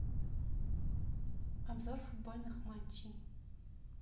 обзор футбольных матчей